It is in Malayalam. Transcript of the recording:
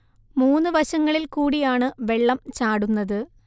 മൂന്നു വശങ്ങളിൽ കൂടിയാണ് വെള്ളം ചാടുന്നത്